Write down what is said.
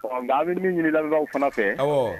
Ɔ an bɛ min ɲini lamɛnlaw fana fɛ